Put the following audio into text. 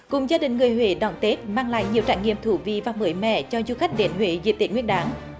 cùng gia đình người huế đón tết mang lại nhiều trải nghiệm thú vị và mới mẻ cho du khách đến huế dịp tết nguyên đán